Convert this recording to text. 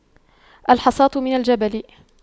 الحصاة من الجبل